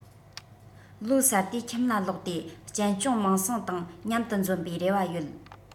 ལོ གསར དུས ཁྱིམ ལ ལོགས ཏེ གཅེན གཅུང མིང སྲིང དང མཉམ དུ འཛོམས པའི རེ བ ཡོད